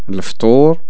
لفطور